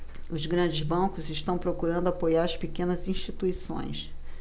os grandes bancos estão procurando apoiar as pequenas instituições